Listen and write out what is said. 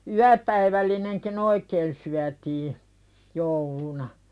yöpäivällinenkin oikein syötiin jouluna